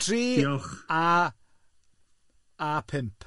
Tri a, a pump.